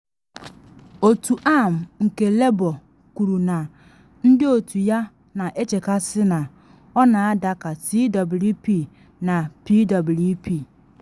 Otu AM nke Labour kwuru na ndị otu ya na echekasị na “ọ na ada ka Twp na Pwp.”